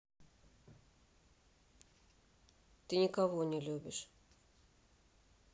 ты никого не любишь